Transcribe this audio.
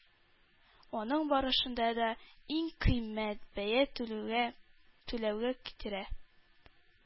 Аның барышында да иң кыйммәт бәя түләүгә китерә.